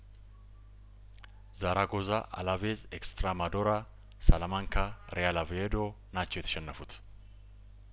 ዛራጐዛ አላ ቬዝ ኤስ ትሬ ማዶራ ሳላማንካ ሪያል አቨዬዶ ናቸው የተሸነፉት